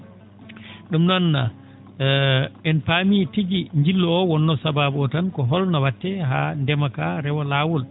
?um noon en paami tigi njillu oo wonnoo sabaabu oo tan ko holno wa?tee haa ndema kaa rewa laawol